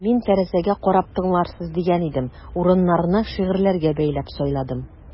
Мин тәрәзәгә карап тыңларсыз дигән идем: урыннарны шигырьләргә бәйләп сайладым.